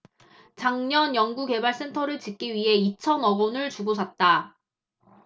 작년 연구개발센터를 짓기 위해 이천 억원을 주고 샀다